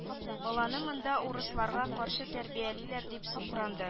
Баланы монда урысларга каршы тәрбиялиләр дип сукранды